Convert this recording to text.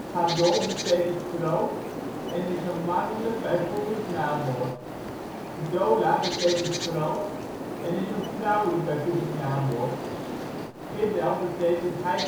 gadol betekent " groot " en is een mannelijk bijvoeglijk naamwoord gdola betekent " groot " (vrouwelijk bijvoeglijk naamwoord) giddel betekent " hij